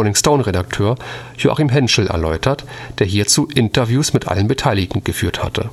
Stone Redakteur Joachim Hentschel erläutert, der hierzu Interviews mit allen Beteiligten geführt hatte